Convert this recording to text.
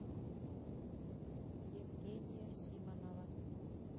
евгения симонова